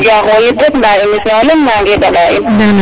gija xoyit rek nda émission leŋ nange danda in